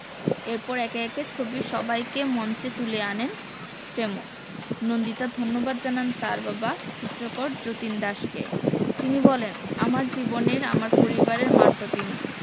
এরপর একে একে ছবির সবাইকে মঞ্চে তুলে আনেন ফ্রেমো নন্দিতা ধন্যবাদ জানান তার বাবা চিত্রকর যতীন দাসকে তিনি বলেন আমার জীবনের আমার পরিবারের মান্টো তিনি